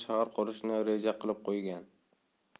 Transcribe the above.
shahar qurishni reja qilib qo'ygan